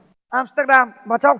am tét đam và cháu